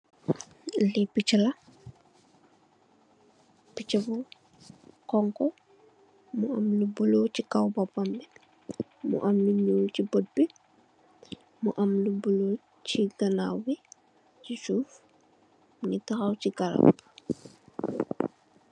Li picha la, picha bu honku mu am lu bulo ci kaw boppam bi, mu am lu ñuul chi bout bi, mu am lu bulo chi ganaaw bi chi suuf mungi tahaw chi garab.